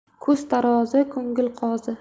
ko'z tarozi ko'ngil qozi